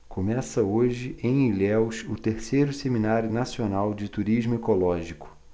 começa hoje em ilhéus o terceiro seminário nacional de turismo ecológico